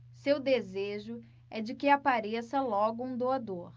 seu desejo é de que apareça logo um doador